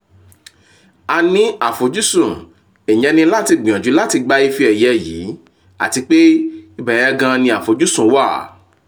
A ní àfojúsùn, ìyẹn ni láti gbìyànjú láti gba ife ẹ̀yẹ yìí, àtipé ibẹ̀yẹn gan an ní àfojúsùn wà’.